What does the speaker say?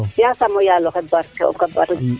yaasam o rogo yaaloxe barke nong